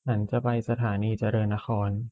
ฉันจะไปสถานีเจริญนคร